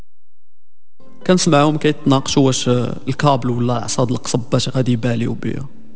كم سنه يمكن تناقشوا القابله حصاد القصب شغلتي بالي